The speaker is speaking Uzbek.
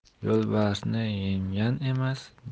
yo'lbarsni yenggan emas